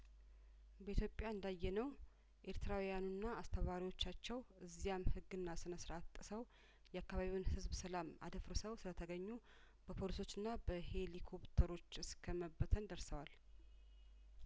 በኢትዮጵያ እንዳ የነው ኤርትራውያኑና አስተባባሪዎቻቸው እዚያም ህግና ስነ ስርአት ጥሰው የአካባቢውን ህዝብ ሰላም አደፍርሰው ስለተገኙ በፖሊሶችና በሄሊኮፕተሮች እስከመበተን ደርሰዋል